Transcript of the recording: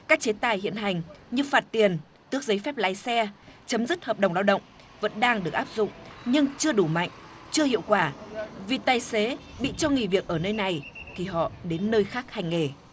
các chế tài hiện hành như phạt tiền tước giấy phép lái xe chấm dứt hợp đồng lao động vẫn đang được áp dụng nhưng chưa đủ mạnh chưa hiệu quả vì tài xế bị cho nghỉ việc ở nơi này thì họ đến nơi khác hành nghề